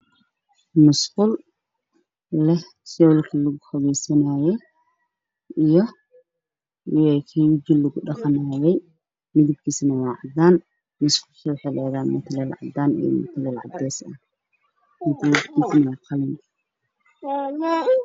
Waa musqul leh shaawarka lugu qubeysanaayay iyo kan wajiga lugu dhaqdo midabkiisu waa cadaan. Musqushu waxay leedahay mutuleel cadaan ah iyo mutuleel cadeys ah.